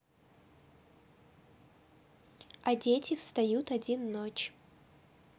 а дети встают один ночь